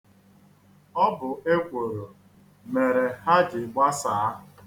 Ọ bụ ekworo mere ha ji gbasaa.